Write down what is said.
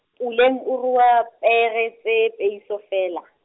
Puleng o rua pere tsa peiso feela.